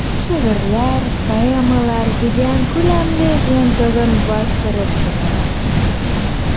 "шигырьләр, поэмалар” дигән күләмле җыентыгын бастырып чыгара.